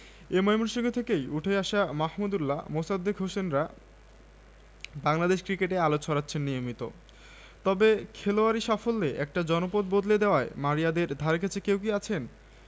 কলসিন্দুরের নানা সমস্যার কথাও সরকারের নজরে আসে পরে বিদ্যুৎ জ্বালানি ও খনিজ সম্পদ প্রতিমন্ত্রী নসরুল হামিদদের উদ্যোগে সেখানে বিদ্যুৎ এসেছে স্থানীয় জনপ্রতিনিধিদের দেওয়া তথ্য অনুযায়ী